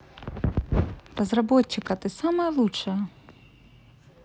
разработчика ты самая лучшая